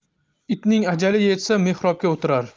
itning ajali yetsa mehrobga o'tirar